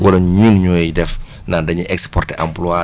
wala ñun ñooy def naan da ñuy exporté emploi